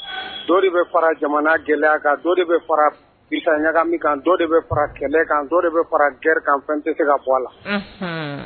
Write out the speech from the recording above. Don de bɛ fara jamana gɛlɛya kan dɔ de bɛ fara bisa ɲagaga min kan de bɛ fara kɛmɛ kan de bɛ fara gɛrɛ kan fɛn tɛ se ka bɔ a la